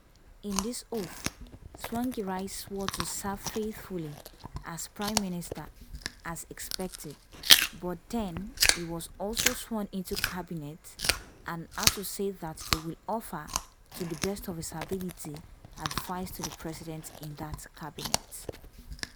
In this oath, Tsvangirai swore to serve faithfully as Prime Minister, as expected, but then he was also sworn into cabinet and had to say that he will offer, to the best of ability, advice to the president in that cabinet.